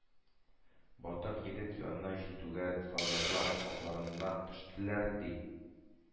Батыр егет янына җитүгә, солдатлар атларыннан төштеләр, ди,